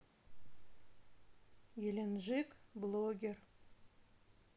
геленджик блогер